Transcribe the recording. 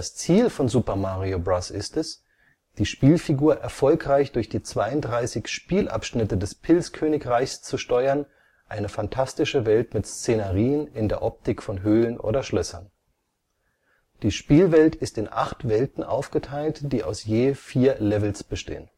Ziel von Super Mario Bros. ist es, die Spielfigur erfolgreich durch die 32 Spielabschnitte („ Level “) des Pilzkönigreichs zu steuern, eine fantastische Welt mit Szenerien in der Optik von Höhlen oder Schlössern. Die Spielwelt ist in acht Welten aufgeteilt, die aus je vier Levels bestehen